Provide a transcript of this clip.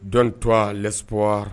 Dɔɔnin to p wa